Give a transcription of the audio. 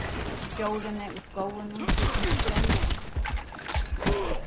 djórini í skóginum síggjast sjáldan